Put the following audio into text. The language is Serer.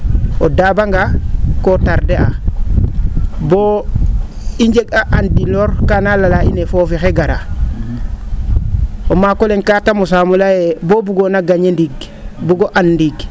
o daabangaa koo tarde aa boo i njeg'a andiloor kaana lala in ee foofi oxay garaa o maako le? kaa te mosaam o lay ee boo bugoona gagner ndiig bugo and ndiig